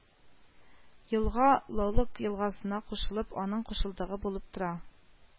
Елга Лолог елгасына кушылып, аның кушылдыгы булып тора